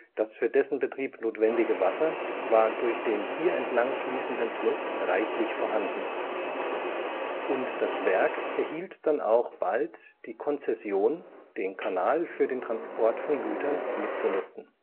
Das für dessen Betrieb notwendige Wasser war durch den hier entlangfließenden Fluss reichlich vorhanden. Und das Werk erhielt dann auch bald die Konzession, den Kanal für den Transport von Gütern mitzunutzen